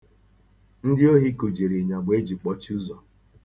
Ndị ohi kụjiri ịnyagba e ji kpọchie ụzọ.